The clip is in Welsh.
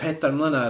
Pedair mlynadd,